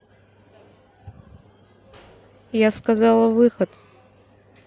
я сказала выход